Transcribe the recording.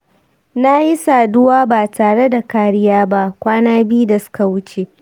na yi saduwa ba tare da kariya ba kwana biyu da suka wuce.